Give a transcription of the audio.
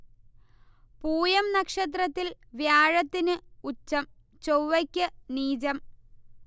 പൂയം നക്ഷത്രത്തിൽ വ്യഴത്തിന് ഉച്ചം ചൊവ്വയ്ക്ക് നീജം